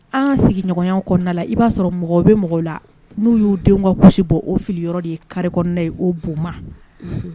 An ka sigiɲɔgɔnya kɔnɔna la, i b'a sɔrɔ mɔgɔ bɛ mɔgɔ la n'u y'u denw ka couche bɔ u filiyɔrɔ de ye carré kɔnɔna ye, o bo ma. unhun.